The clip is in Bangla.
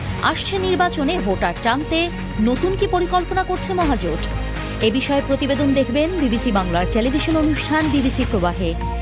আসছে নির্বাচনে ভোটার টানতে নতুন কী পরিকল্পনা করছে মহাজোট এ বিষয়ে প্রতিবেদন দেখবেন বিবিসি বাংলার টেলিভিশন অনুষ্ঠান বিবিসি প্রবাহে